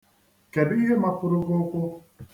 Kedụ ihe mapuru gị ụkwụ?